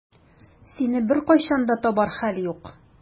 Сине беркайчан да табар хәл юк.